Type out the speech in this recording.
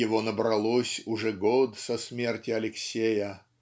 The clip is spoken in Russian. Его набралось уже год со смерти Алексея